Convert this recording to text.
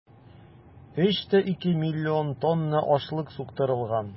3,2 млн тонна ашлык суктырылган.